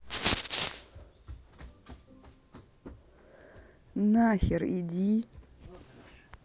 нахер иди